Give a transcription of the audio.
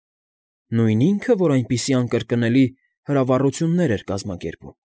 Նույն ի՞նքը, որ այնպիսի անկրկնելի հրավառություններ էր կազմակերպում։